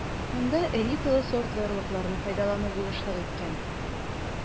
Моңа элиталы сортлы орлыкларны файдалану булышлык иткән.